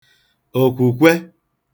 òkwùkwe